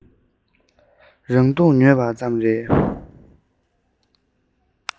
རང སྡུག ཉོས པ ཙམ རེད